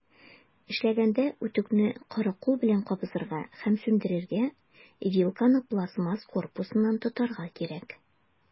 Эшләгәндә, үтүкне коры кул белән кабызырга һәм сүндерергә, вилканы пластмасс корпусыннан тотарга кирәк.